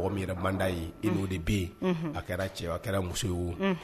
Mi manda ye i o de bɛ yen a kɛra cɛ a kɛra muso ye